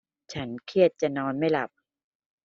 ฉันเครียดจนอนไม่หลับ